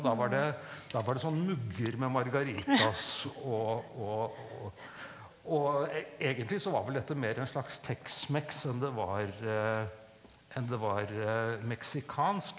da var det da var det sånn mugger meg margaritas og og og og egentlig så var vel dette mer en slags tex-mex enn det var enn det var meksikansk.